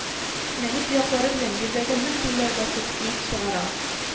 Нәни тояклары белән җирдәге моң телләренә басып көй чыгара